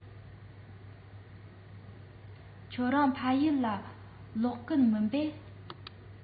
ཁྱེད རང ཕ ཡུལ ལ ལོག གི མིན པས